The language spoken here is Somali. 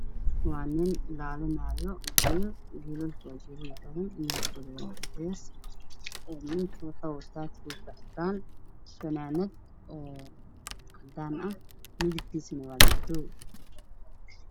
Waa nin daadinaayo jiro tiro badan midabkoodu waa cadeys, ninku waxuu wataa koofi cadaan iyo fanaanad cadaan ah midabkiisu waa madow.